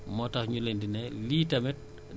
ba ci circulation bi